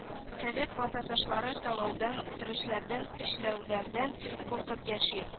Совет ватандашлары талаудан үтерешләрдән көчләүләрдән куркып яши